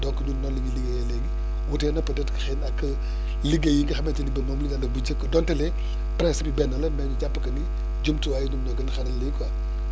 donc ñun noonu la ñuy liggéeyee léegi wutee na peut être xëy na ak liggéey yi nga xamante ne moom lañ daan def bu njëkk donte le principe yi benn la mais ñu jàpp que ni jumtuwaay yi ñoom ñoo gën a xarañ léegi quoi